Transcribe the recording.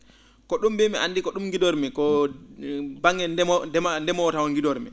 ko ?um mbiimi anndi ko ?um ngidoriimi ko ndemow ndema ndemoowo taw ngidoriimi